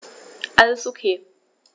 Alles OK.